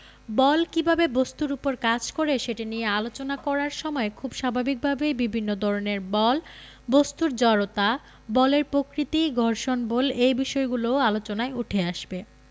বল কীভাবে বস্তুর উপর কাজ করে সেটি নিয়ে আলোচনা করার সময় খুব স্বাভাবিকভাবেই বিভিন্ন ধরনের বল বস্তুর জড়তা বলের প্রকৃতি ঘর্ষণ বল এই বিষয়গুলোও আলোচনায় উঠে আসবে